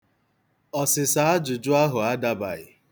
Ọsịsa ajụjụ ahụ adabaghị.